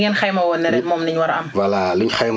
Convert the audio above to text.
li ngeen xayma woon ne ren moom la ñu war a am